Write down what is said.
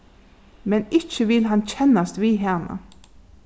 men ikki vil hann kennast við hana